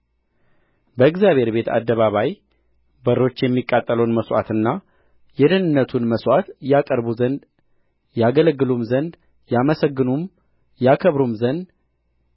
በእግዚአብሔር ቤት አደባባይ በሮች የሚቃጠለውን መሥዋዕትና የደኅንነቱን መሥዋዕት ያቀርቡ ዘንድ ያገለግሉም ዘንድ ያመሰግኑም ያከብሩም ዘንድ